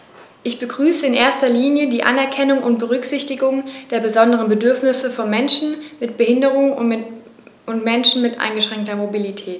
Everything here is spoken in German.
Ich begrüße in erster Linie die Anerkennung und Berücksichtigung der besonderen Bedürfnisse von Menschen mit Behinderung und Menschen mit eingeschränkter Mobilität.